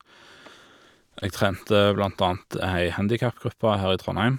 Jeg trente blant annet ei handikap-gruppe her i Trondheim.